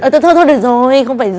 ờ thôi thôi được rồi không phải